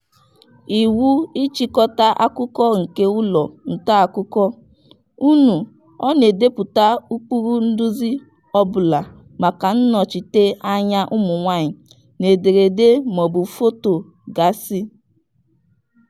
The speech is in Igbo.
Iwu nchịkọta akụkọ nke ụlọ ntaakụkọ unu ọ na-edepụta ụkpụrụ nduzi ọbụla maka nnọchite anya ụmụnwaanyị n'ederede maọbụ foto gasị?